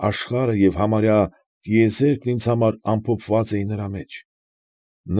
Աշխարհը և համարյա տիեզերքն ինձ համար ամփոփված էին նրա մեջ։